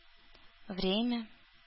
Время